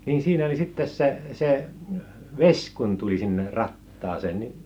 niin siinä oli sitten se se vesi kun tuli sinne rattaaseen niin